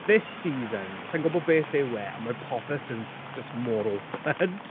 This season, sa i'n gwbod beth yw e, ond ma' popeth jyst jyst mor awkward.